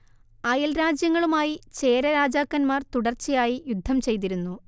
അയൽ രാജ്യങ്ങളുമായി ചേര രാജാക്കന്മാർ തുടർച്ചയായി യുദ്ധം ചെയ്തിരുന്നു